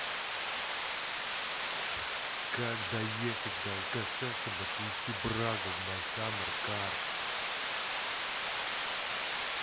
как доехать до алкаша чтобы отвести брагу в my summer car